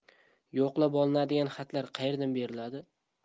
yo'qlab olinadigan xatlar qayerdan beriladi